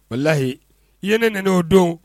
Walahi i ye ne n do'o don